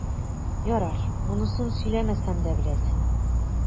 Ярар, монысын сөйләмәсәм дә беләсең.